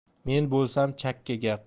men bo'lsam chakkaga